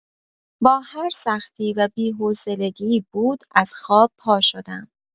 با هر سختی و بی‌حوصلگی بود از خواب پاشدم.